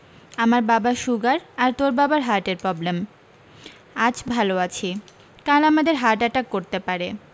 আমার বাবার সুগার আর তোর বাবার হার্টের প্রবলেম আজ ভাল আছি কাল আমাদের হার্ট অ্যাটাক করতে পারে